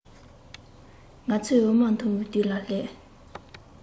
ང ཚོས འོ མ འཐུང བའི དུས ལ སླེབས